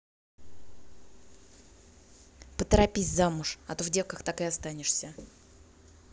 поторопись замуж а то в девках так и останешься